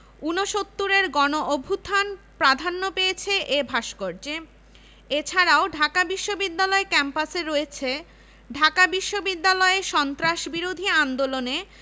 ১৯৭২ সালে অপরাজেয় বাংলা ভাস্কর্য স্থাপনের পরিকল্পনা গ্রহণ করে ১৯৭৯ সালের ১৬ ডিসেম্বর বিজয় দিবস উপলক্ষে ভাস্কর্যটি উদ্বোধন করা হয়